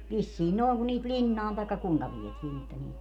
vissiin noin kun niitä linnaan tai kuinka vietiin että niitä